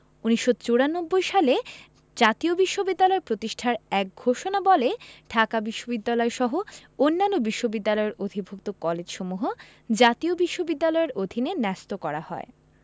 ১৯৯৪ সালে জাতীয় বিশ্ববিদ্যালয় প্রতিষ্ঠার এক ঘোষণাবলে ঢাকা বিশ্ববিদ্যালয়সহ অন্যান্য বিশ্ববিদ্যালয়ের অধিভুক্ত কলেজসমূহ জাতীয় বিশ্ববিদ্যালয়ের অধীনে ন্যস্ত করা হয়